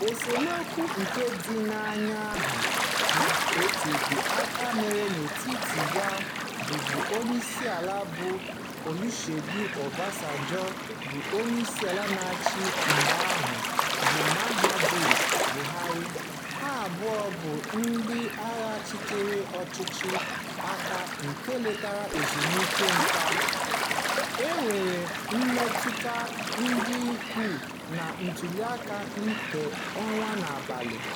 Esemokwu nke dị n'anya ọha na-etebeghị aka mere n'etiti onye bụbu Onyeisiala bụ Olusegun Obasanjo na Onyeisiala na-achị ugbua bụ Muhammadu Buhari — ha abụọ bụ ndị agha chịrị ọchịchị aka ike nke lara ezumike nká — nwere mmetụta dị ukwuu na ntụliaka nke ọnwa na-abịa.